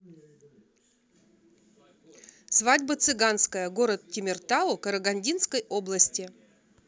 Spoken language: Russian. свадьба цыганская город темиртау карагандинской области